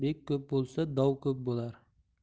bek ko'p bo'lsa dov ko'p bo'lar